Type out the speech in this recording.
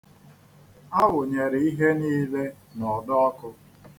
A wụnyere ihe niile n'ọdọọkụ.